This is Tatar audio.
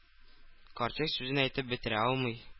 Карчык сүзен әйтеп бетерә алмый.